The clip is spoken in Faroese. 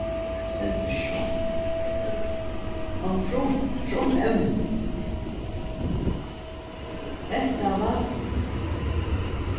stendur tað ikki so ná frumevnum hetta vatn